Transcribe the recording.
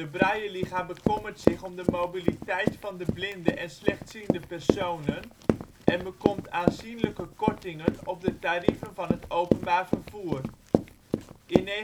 Brailleliga bekommert zich om de mobiliteit van de blinde en slechtziende personen en bekomt aanzienlijke kortingen op de tarieven van het openbaar vervoer. In 1948